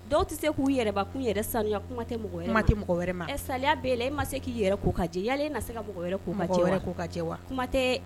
Dɔw tɛ se k'u yɛrɛbakun yɛrɛ saniya kuma tɛ, kuma tɛ mɔgɔ wɛrɛ ma, ɛ saliya bɛ e la e ma se k'i yɛrɛ ko ka jɛ e na se ka mɔgɔ wɛrɛ ko ka jɛ wa kuma tɛ